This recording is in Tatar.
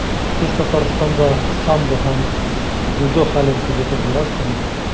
Сез Татарстанда самбо һәм дзюдо хәлен күзәтеп барасызмы?